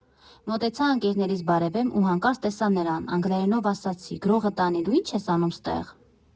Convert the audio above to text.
Մոտեցա՝ ընկերներիս բարևեմ ու հանկարծ տեսա նրան, անգլերենով ասացի՝ «Գրողը տանի, դու ի՞նչ ես անում ստեղ»։